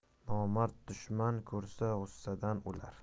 nomard dushman ko'rsa g'ussadan o'lar